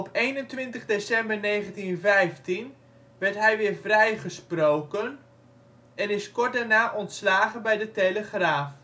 21 december 1915 werd hij weer vrijgesproken en is kort daarna ontslagen bij de Telegraaf